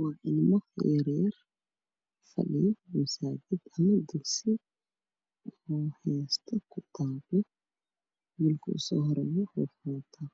Waa sariir nooceeda yahay cadaan mutulel